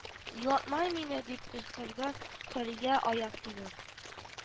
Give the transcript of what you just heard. Юатма мине дип кычкырды хөрия аяк тибеп